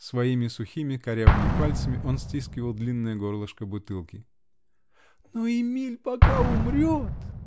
Своими сухими, корявыми пальцами он стискивал длинное горлышко бутылки. -- Но Эмиль пока умрет!